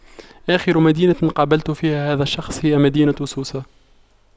آخر مدينة قابلت فيها هذا الشخص هي مدينة سوسة